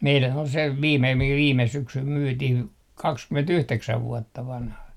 meidän oli se viime mikä viime syksynä myytiin kaksikymmentäyhdeksän vuotta vanha